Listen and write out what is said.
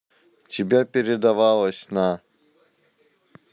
тебя передавалась на